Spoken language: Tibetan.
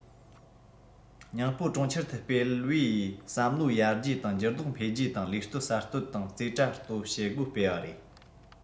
ཉིང པོ གྲོང ཁྱེར དུ སྤེལ བའི བས བསམ བློ ཡར རྒྱས དང འགྱུར ལྡོག འཕེལ རྒྱས དང ལས གཏོད གསར གཏོད དང རྩེ གྲ གཏོད བྱེད སྒོ སྤེལ བ རེད